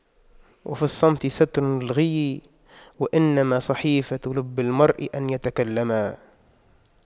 وفي الصمت ستر للغيّ وإنما صحيفة لب المرء أن يتكلما